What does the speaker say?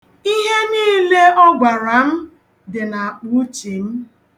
Ihe niile ọ gwara m, dị n'akpauche m.